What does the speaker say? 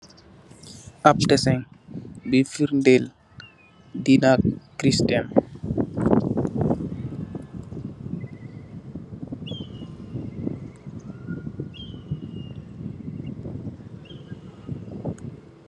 Ab design buye ferder deenan christian.